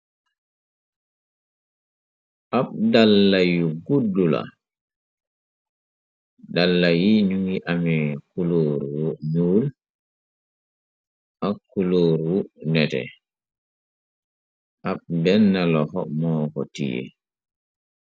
Ab dalla yu guddu la, dalla yi ñu ngi amee kuloor wu ñuul, ak kulóor wu nete, ab benna loxa moo ko tiyee.